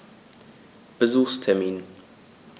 Besuchstermin